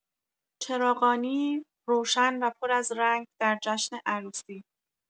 چراغانی روشن و پر از رنگ در جشن عروسی